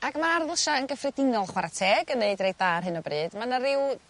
Ag ma'r lysia yn gyffredinol chwara teg yn neud reit dda ar hyn o bryd ma' 'na ryw